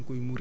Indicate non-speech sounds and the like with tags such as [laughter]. [hesitation] [hesitation]